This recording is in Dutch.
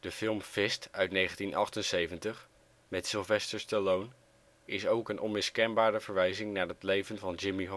film F.I.S.T. (1978) met Sylvester Stallone is ook een onmiskenbare verwijzing naar het leven van Jimmy